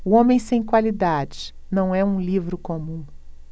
o homem sem qualidades não é um livro comum